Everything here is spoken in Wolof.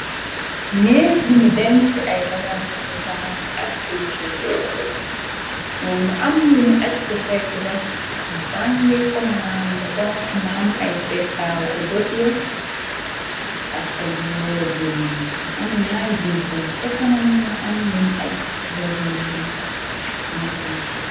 Neek guñu denc ay bagafik ci saan, ak culture, mu nga am luñu aj ca pegg ba, mu sange komalaarnu tonk mu am ay pettow ce bëtya, ak te gi boore gémeñb, mu am ñaari béjjën co kana mu nga am luñu aj def mbindëm nasran.